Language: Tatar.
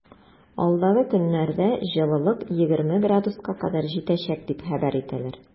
Алдагы көннәрдә җылылык 20 градуска кадәр җитәчәк дип хәбәр итәләр.